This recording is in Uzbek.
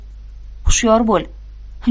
hushyor bo'l